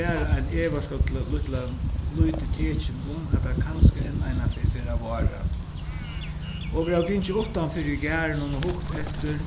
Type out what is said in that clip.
bara ein evarska lítlan lítið tekin um at tað kanska enn einaferð fer at vára okur hava gingið uttanfyri í garðinum og hugt eftir